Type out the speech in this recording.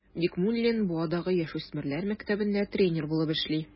Бикмуллин Буадагы яшүсмерләр мәктәбендә тренер булып эшли.